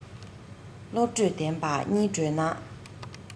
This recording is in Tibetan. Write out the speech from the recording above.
བློ གྲོས ལྡན པ གཉིས བགྲོས ན